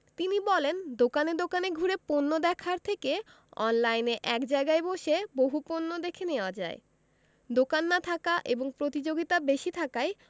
তিনি বলেন দোকানে দোকানে ঘুরে পণ্য দেখার থেকে অনলাইনে এক জায়গায় বসে বহু পণ্য দেখে নেওয়া যায় দোকান না থাকা এবং প্রতিযোগিতা বেশি থাকায়